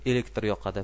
elektr yoqadi